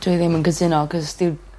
Dwi ddim yn cytuno acos dyw...